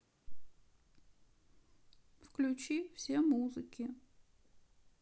включи все музыки